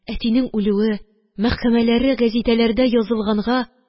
Әтинең үлүе, мәхкәмәләре гәзитәләрдә язылганга,